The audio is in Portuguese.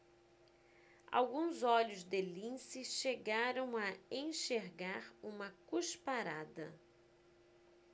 alguns olhos de lince chegaram a enxergar uma cusparada